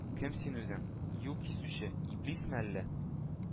Кем син үзең? Юл кисүче? Иблисме әллә?